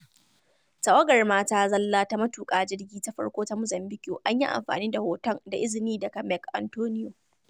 Tawagar mata zalla ta matuƙa jirgi ta farko ta Mozambiƙue An yi amfani da hoton da izini daga Meck Antonio.